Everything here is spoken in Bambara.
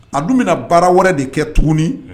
A dun bɛna baara wɛrɛ de kɛ tuguni